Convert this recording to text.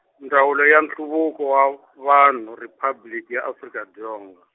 Ndzawulo ya Nhluvuko wa Vanhu Riphabliki ya Afrika Dzonga.